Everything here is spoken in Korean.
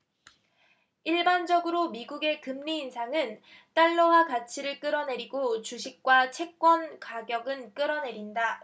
일반적으로 미국의 금리 인상은 달러화 가치를 끌어올리고 주식과 채권 가격은 끌어내린다